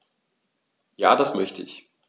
Ja, das möchte ich.